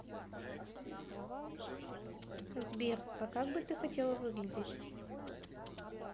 сбер а как бы ты хотела выглядеть